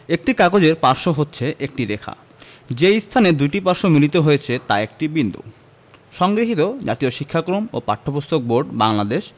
একটি কাগজের পার্শ্ব হচ্ছে একটি রেখা যে স্থানে দুইটি পার্শ্ব মিলিত হয়েছে তা একটি বিন্দু সংগৃহীত জাতীয় শিক্ষাক্রম ও পাঠ্যপুস্তক বোর্ড বাংলাদেশ